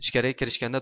ichkariga kirishganda